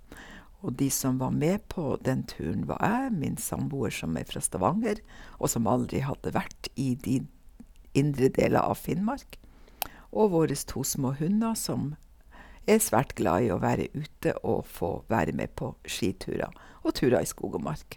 Og de som var med på den turen var jeg, min samboer som er fra Stavanger, og som aldri hadde vært i de indre deler av Finnmark, og våre to små hunder, som er svært glad i være ute og få være med på skiturer og turer i skog og mark.